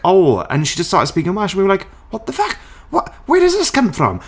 "Oh." And she just started speaking Welsh, and we were like "What the fuck?! Wh- where does this come from?"